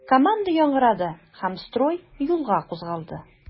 Команда яңгырады һәм строй юлга кузгалды.